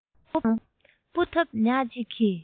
པོ སྤོ ཐབས ཉག གཅིག ནི